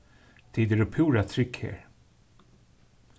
tit eru púra trygg her